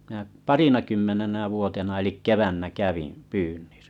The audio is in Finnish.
minä parinakymmenenä vuotena eli keväänä kävin pyynnissä